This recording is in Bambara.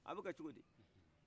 a bɛ kɛ cogodi